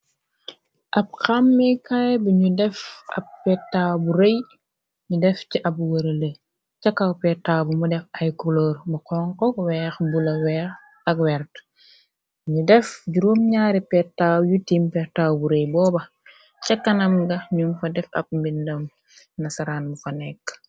Ab xammikaay bi ñu def ab petaaw bu rëy ñu def ci ab wërale cakaw petaaw bu mu def ay kuloor mu konko weex bu la ak weert ñu def juróom ñaari petaaw yu tim petaw bu rëy booba ca kanam nga ñum fa def ab mbindam na saraan bu fa nekk.